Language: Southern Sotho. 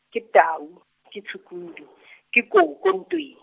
ke tau , ke tshukudu, ke koko ntweng.